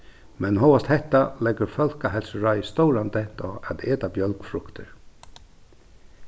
men hóast hetta leggur fólkaheilsuráðið stóran dent at eta bjølgfruktir